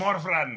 Morfran!